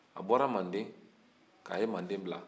a bɔra manden k'a yen manden bila